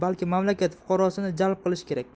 balki mamlakat fuqarosini jalb qilish kerak